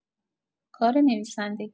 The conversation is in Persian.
کار نویسندگی